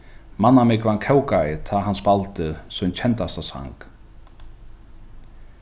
mannamúgvan kókaði tá hann spældi sín kendasta sang